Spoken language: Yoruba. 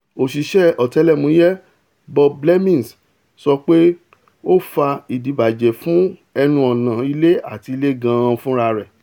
Òṣiṣẹ́ Ọ̀tẹlẹ̀múyẹ́ Bob Blemmings sọ pé ó fa ìdíbàjẹ́ fún ẹnu-ọ̀nà ilé àti ile gan-an fúnrarẹ̀.